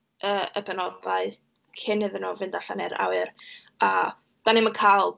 yy, y benodau cyn iddyn nhw fynd allan i'r awyr, a dan ni'm yn cael...